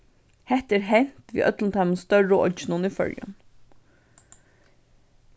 hetta er hent við øllum teimum størru oyggjunum í føroyum